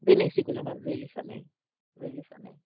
Be wnes i gwylio oedd e'n rili ffyni, rili ffyni.